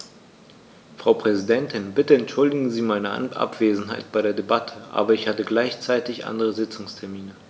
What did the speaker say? Frau Präsidentin, bitte entschuldigen Sie meine Abwesenheit bei der Debatte, aber ich hatte gleichzeitig andere Sitzungstermine.